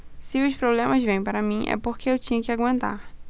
se os problemas vêm para mim é porque eu tinha que aguentar